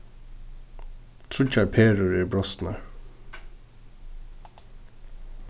tríggjar perur eru brostnar